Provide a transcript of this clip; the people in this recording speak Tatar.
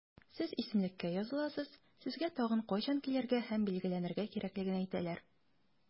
Сез исемлеккә языласыз, сезгә тагын кайчан килергә һәм билгеләнергә кирәклеген әйтәләр.